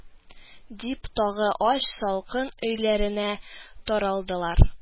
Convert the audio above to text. – дип, тагы ач, салкын өйләренә таралдылар